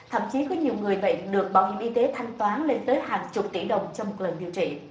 thậm chí có nhiều người bệnh được bảo hiểm y tế thanh toán lên tới hàng chục tỷ đồng trong một lần điều trị